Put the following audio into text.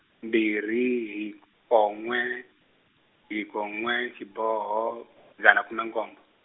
mbirhi hiko n'we, hiko n'we xiboho, dzana khume nkombo.